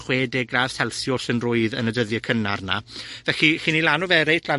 chwe deg gradd celsiws yn rwydd yn y dyddie cynnar 'na. Felly, chi'n 'i lanw fe reit lan